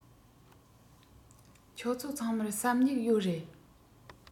ཁྱོད ཚོ ཚང མར ས སྨྱུག ཡོད རེད